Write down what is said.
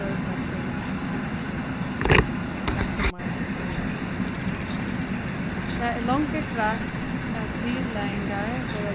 gjørdar kring summarskúlar nei summar skúlar tað er longu greitt at tillagingar verða